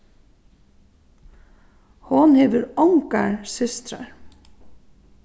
hon hevur ongar systrar